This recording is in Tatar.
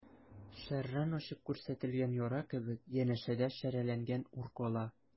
Шәрран ачып күрсәтелгән яра кебек, янәшәдә шәрәләнгән ур кала.